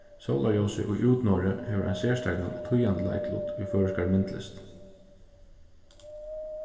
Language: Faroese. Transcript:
sólarljósið í útnorðri hevur ein serstakan og týðandi leiklut í føroyskari myndlist